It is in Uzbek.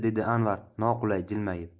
dedi anvar noqulay jilmayib